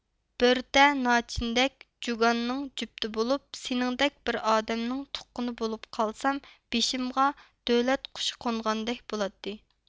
بۆرتە ناچىندەك جۇگاننىڭ جۈپتى بولۇپ سېنىڭدەك بىر ئادەمنىڭ تۇققىنى بولۇپ قالسام بېشىمغا دۆلەت قۇشى قونغاندەك بولاتتى